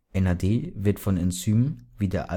NAD wird von Enzymen, wie der